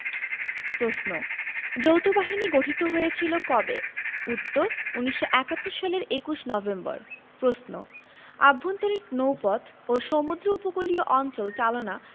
প্রশ্ন যৌথবাহিনী গঠিত হয়েছিল কবে উত্তর ১৯৭১ সালের ২১ নভেম্বর প্রশ্ন আভ্যন্তরীণ নৌপথ ও সমুদ্র উপকূলীয় অঞ্চল চালনা